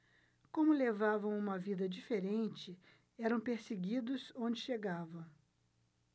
como levavam uma vida diferente eram perseguidos onde chegavam